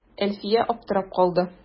Әлфия аптырап калды.